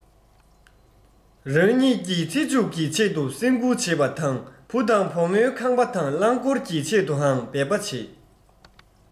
རང ཉིད ཀྱི ཚེ མཇུག གི ཆེད དུ སེམས ཁུར བྱེད པ དང བུ དང བུ མོའི ཁང པ དང རླངས འཁོར རླངས འཁོར གྱི ཆེད དུའང འབད པ བྱེད